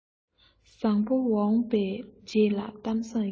བཟང པོ འོངས པའི རྗེས ལ གཏམ བཟང ཡོད